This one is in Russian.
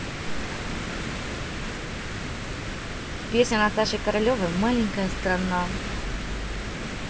песня наташи королевой маленькая страна